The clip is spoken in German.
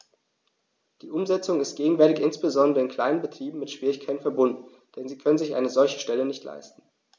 Die Umsetzung ist gegenwärtig insbesondere in kleinen Betrieben mit Schwierigkeiten verbunden, denn sie können sich eine solche Stelle nicht leisten.